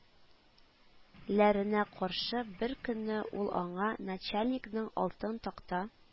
Ләренә каршы беркөнне ул аңа начальникның алтын такта